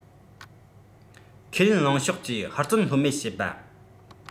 ཁས ལེན གླིང ཕྱོགས ཀྱིས ཧུར བརྩོན ལྷོད མེད བྱེད པ